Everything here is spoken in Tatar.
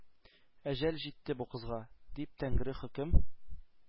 «әҗәл җитте бу кызга!»— дип, тәңре хөкем